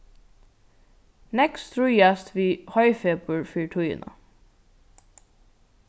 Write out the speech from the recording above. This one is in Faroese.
nógv stríðast við hoyfepur fyri tíðina